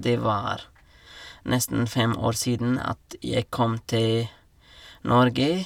Det var nesten fem år siden at jeg kom til Norge.